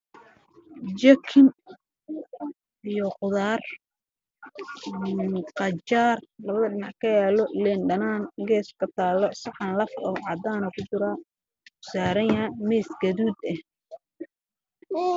Jikin iyo qudaar qajaar